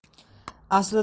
aslida bu